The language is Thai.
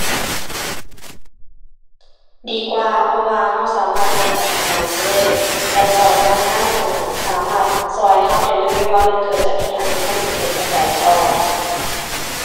ดีกว่า เพราะว่าเราสามารถแจ้งปัญหาได้เลย แล้วเจ้าพนักงานตรงนั้นสามารถเราเราได้เลยว่ามันเกิดจากอิหยัง หรือมันสิเป็นจั่งใดต่อ